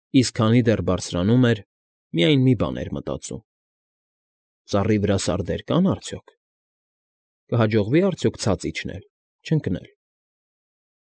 Իսկ քանի դեռ բարձրանում էր, միայն մի բան էր մտածում. ծառի վրա սարդեր կա՞ն արդյոք, կհաջողվի՞ արդյոք ցած իջնել, չընկնել։